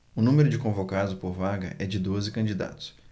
o número de convocados por vaga é de doze candidatos